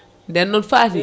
nden noon Faty